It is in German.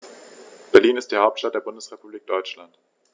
Berlin ist die Hauptstadt der Bundesrepublik Deutschland.